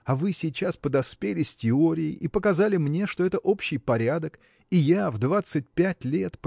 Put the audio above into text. а вы сейчас подоспели с теорией и показали мне что это общий порядок – и я в двадцать пять лет